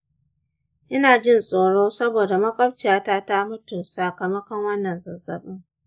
ina jin tsoro saboda maƙwabciyata ta mutu sakamakon wannan zazzaɓin.